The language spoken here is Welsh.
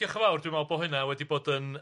...diolch yn fawr dwi me'wl bo' hynna wedi bod yn